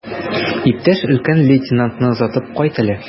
Иптәш өлкән лейтенантны озатып кайт әле.